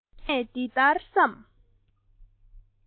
ངས འདི ལྟར བསམ